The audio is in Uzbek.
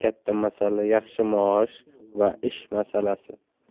katta masala yaxshi maosh va ish masalasi